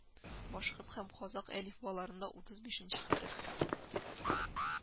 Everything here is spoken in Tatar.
Башкорт һәм казакъ әлифбаларда утыз бишенче хәреф